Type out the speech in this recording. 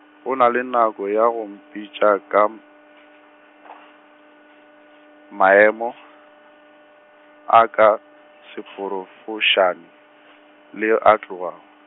go na le nako ya go mpitša ka m- , maemo, a ka seporo fošane, le a tlogago.